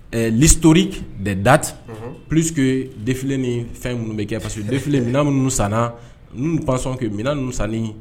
Ɛɛ l'historique des dates puis que défilé ni fɛn ninnu bɛ kɛ parce que défilé minɛn minnu san na nous nous pensons que minɛn ninnu san